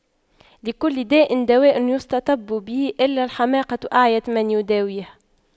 لكل داء دواء يستطب به إلا الحماقة أعيت من يداويها